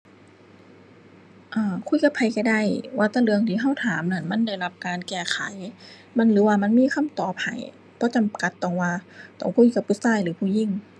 เอ่อ คุยกับไผก็ได้ ว่าแต่เรื่องที่ก็ถามนั้นมันได้รับการแก้ไข มัน หรือว่ามันมีคำตอบให้ บ่จำกัดต้องว่าต้องคุยกับผู้ก็หรือผู้หญิง